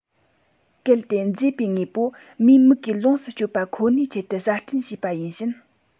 གལ ཏེ མཛེས པའི དངོས པོ མིའི མིག གིས ལོངས སུ སྤྱོད པ ཁོ ནའི ཆེད དུ གསར སྐྲུན བྱས པ ཡིན ཕྱིན